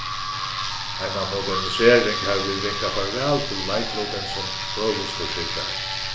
eina modernisering har vit vinka farvæl til leiklutin sum høvuðsforsyrgjari